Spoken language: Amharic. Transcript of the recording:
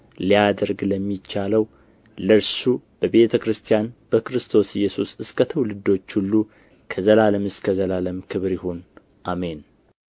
ሊያደርግ ለሚቻለው ለእርሱ በቤተ ክርስቲያን በክርስቶስ ኢየሱስ እስከ ትውልዶች ሁሉ ከዘላለም እስከ ዘላለም ክብር ይሁን አሜን